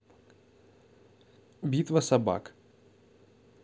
битва собак